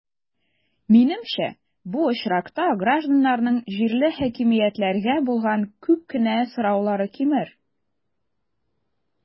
Минемчә, бу очракта гражданнарның җирле хакимиятләргә булган күп кенә сораулары кимер.